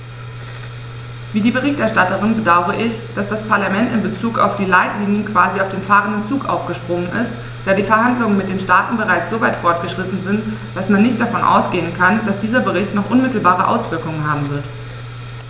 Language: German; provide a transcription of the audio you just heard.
Wie die Berichterstatterin bedaure ich, dass das Parlament in bezug auf die Leitlinien quasi auf den fahrenden Zug aufgesprungen ist, da die Verhandlungen mit den Staaten bereits so weit fortgeschritten sind, dass man nicht davon ausgehen kann, dass dieser Bericht noch unmittelbare Auswirkungen haben wird.